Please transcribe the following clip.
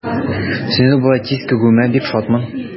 Сезне болай тиз күрүемә бик шатмын.